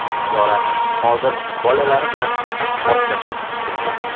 zora hozir bolalari bilan boshlashib kirib kelsa